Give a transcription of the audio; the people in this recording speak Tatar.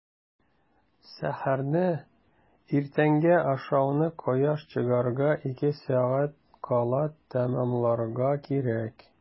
Сәхәрне – иртәнге ашауны кояш чыгарга ике сәгать кала тәмамларга кирәк.